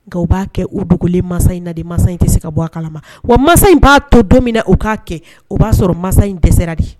Nka u b'a kɛ u dogolen masa in na de masa in tɛ se ka bɔ a kala ma wa masa in b'a tɔ don min na u k'a kɛ o b'a sɔrɔ masa in tɛ de